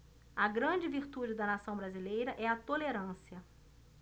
a grande virtude da nação brasileira é a tolerância